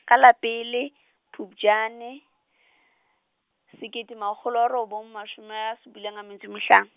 ka la pele Phupjane , sekete makgolo robong mashome a supileng a metso e mehlano.